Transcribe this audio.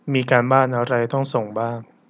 มีการบ้านอะไรต้องส่งบ้าง